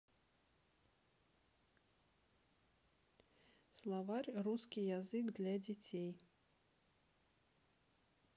словарь русский язык для детей